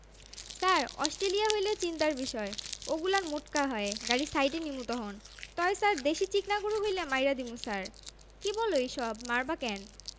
ছার Australia হইলে চিন্তার বিষয় ওগুলান মোটকা হয় গাড়ি সাইডে নিমু তহন তয় ছার দেশি চিকনা গরু হইলে মাইরা দিমু ছার কী বলো এইসব মারবা কেন